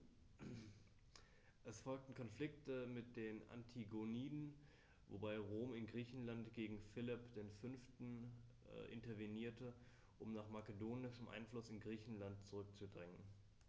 Es folgten Konflikte mit den Antigoniden, wobei Rom in Griechenland gegen Philipp V. intervenierte, um den makedonischen Einfluss in Griechenland zurückzudrängen.